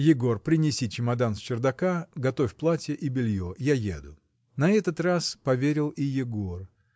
— Егор, принеси чемодан с чердака, готовь платье и белье: я еду. На этот раз поверил и Егор.